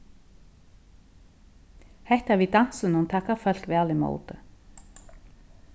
hetta við dansinum taka fólk væl ímóti